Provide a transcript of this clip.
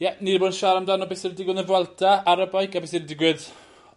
Ie ni 'di bod yn siarad amdano beth sy 'di digwydd yn y Vuelta ar y beic a be' sy wedi digwydd